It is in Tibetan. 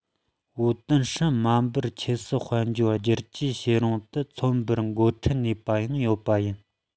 ཝུའུ ཏེང ཧྲེང འབར མ ཆབ སྲིད དཔལ འབྱོར བསྒྱུར བཅོས བྱེད རིང དུ མཚོན པར གི འགོ ཁྲིད ནུས པ ཡང ཡོད པ ཡིན